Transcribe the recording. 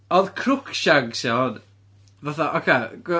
Oedd Crookshanks iawn... Fatha oce...